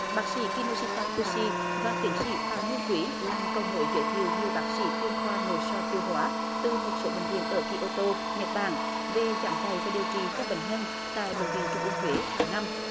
bác sĩ ki nô si ta cô si và tiến sĩ phạm nguyên quý làm cầu nối giới thiệu nhiều bác sĩ chuyên khoa nội soi tiêu hóa từ một số bệnh viện ở ki ô tô nhật bản về giảng dạy và điều trị cho bệnh nhân tại bệnh viện trung ương huế hằng năm